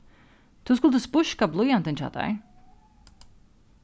tú skuldi spískað blýantin hjá tær